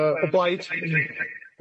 Yy o blaid.